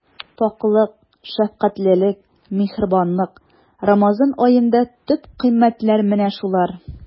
Пакьлек, шәфкатьлелек, миһербанлык— Рамазан аенда төп кыйммәтләр менә шулар.